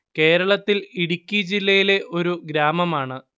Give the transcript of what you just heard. കേരളത്തിൽ ഇടുക്കി ജില്ലയിലെ ഒരു ഗ്രാമമാണ്